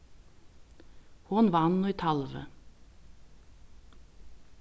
hon vann í talvi